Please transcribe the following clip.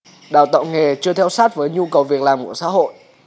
đào tạo nghề chưa theo sát với nhu cầu việc làm của xã hội